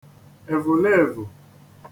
èvùleevù